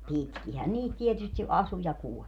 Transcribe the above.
pitkinhän niitä tietysti asui ja kuoli